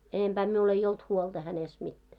enempää minulla ei ollut huolta hänestä mitään